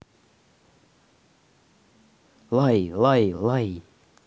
лай лай лай